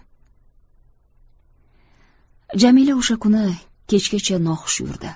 jamila o'sha kuni kechgacha noxush yurdi